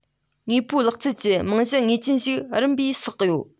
དངོས པོའི ལག རྩལ གྱི རྨང གཞི ངེས ཅན ཞིག རིམ པས བསགས ཡོད